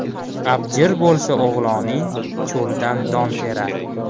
abjir bo'lsa o'g'loning cho'ldan don terar